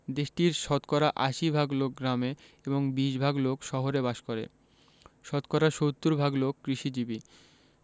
দেশটির শতকরা ৮০ ভাগ লোক গ্রামে এবং ২০ ভাগ লোক শহরে বাস করে শতকরা ৭০ ভাগ লোক কৃষিজীবী